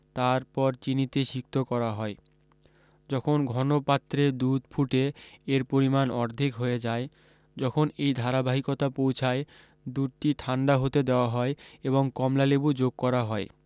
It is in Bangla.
তারপর চিনিতে সিক্ত করা হয় যখন ঘন পাত্রে দুধ ফুটে এর পরিমাণ অর্ধেক হয়ে যায় যখন এই ধারাবাহিকতা পৌছায় দুধটি ঠান্ডা হতে দেওয়া হয় এবং কমলালেবু যোগ করা হয়